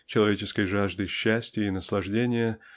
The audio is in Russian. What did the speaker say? человеческой жаждой счастья и наслаждения